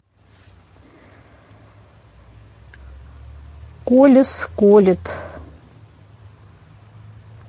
колес колет